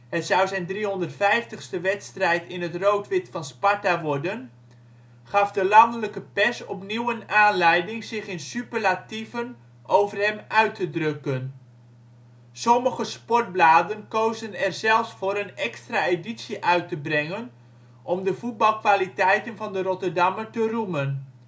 het zou zijn 350e wedstrijd in het roodwit van Sparta worden - gaf de landelijke pers opnieuw een aanleiding zich in superlatieven over hem uit te drukken. Sommige sportbladen kozen er zelfs voor een extra editie uit te brengen om de voetbalkwaliteiten van de Rotterdammer te roemen. Een pamflet